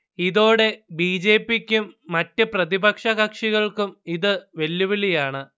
ഇതോടെ B. J. P. ക്കും മറ്റ് പ്രതിപക്ഷ കക്ഷികൾക്കും ഇത് വെല്ലുവിളിയാണ്